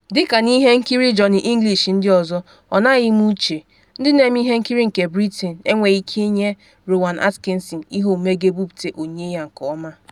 Dịka n’ihe nkiri Johnny English ndị ọzọ, ọ naghaghị m ịche: ndị na-eme ihe nkiri nke Britain enweghi ike nye Rowan Atkinson ihe omume ga-ebuputa onyinye ya nke ọma?